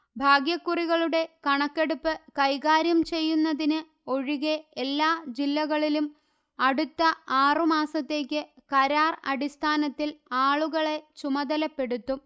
ഭാഗ്യക്കുറികളുടെ കണക്കെടുപ്പ് കൈകാര്യം ചെയ്യുന്നതിന് ഒഴികെ എല്ലാ ജില്ലകളിലും അടുത്ത ആറുമാസത്തേക്ക് കരാർ അടിസ്ഥാനത്തിൽ ആളുകളെ ചുമതലപ്പെടുത്തും